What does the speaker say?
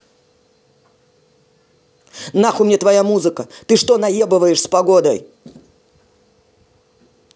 нахуй мне твоя музыка ты что наебываешь с погодой